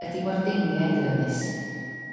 ...ydi wardeiniaid yr ynys.